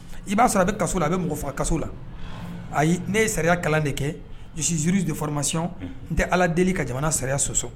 I b'a sɔrɔ a bɛ kaso a bɛ mɔgɔ faa kaso la ne ye sariya kalan de kɛsijuru de fɔramasi n tɛ ala deli ka jamana sariya soso